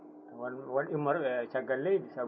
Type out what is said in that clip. woon woon immorɓe caggal leydi